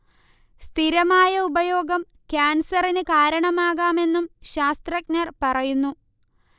സ്ഥിരമായ ഉപയോഗം കാൻസറിന് കാരണമാകാമെന്നും ശാസ്ത്രജഞർ പറയുന്നു